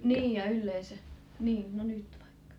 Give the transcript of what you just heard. niin ja yleensä niin no nyt vaikka